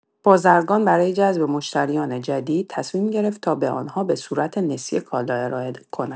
بازرگان برای جذب مشتریان جدید، تصمیم گرفت تا به آن‌ها به صورت نسیه کالا ارائه کند.